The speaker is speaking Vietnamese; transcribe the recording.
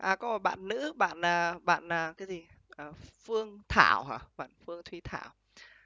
à có một bạn nữ bạn à bạn là cái gì phương thảo hả bạn phương duy thảo